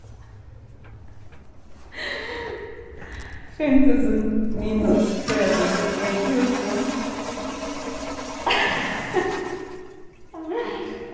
fimm túsund minus fýra túsund er túsund